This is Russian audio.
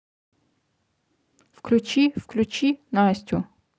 включи включи настю